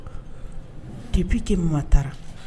Dibike ma taara